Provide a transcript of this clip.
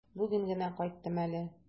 Бүген генә кайттым әле.